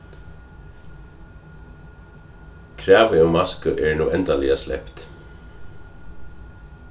kravið um masku er nú endaliga slept